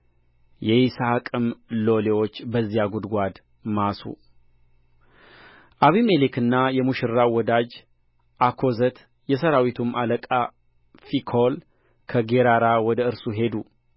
የይስሐቅም ሎሌዎች በዚያ ጕድጓድ ማሱ አቢሜሌክና የሙሽራው ወዳጅ አኮዘት የሠራዊቱም አለቃ ፊኮል ከጌራራ ወደ እርሱ ሄዱ